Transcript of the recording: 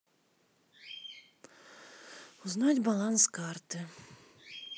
узнать баланс карты